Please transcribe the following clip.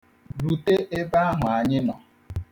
Rute ebe ahụ anyị nọ!